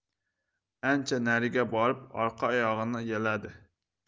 ancha nariga borib orqa oyog'ini yaladi